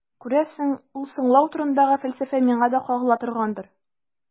Күрәсең, ул «соңлау» турындагы фәлсәфә миңа да кагыла торгандыр.